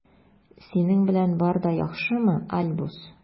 Синең белән бар да яхшымы, Альбус?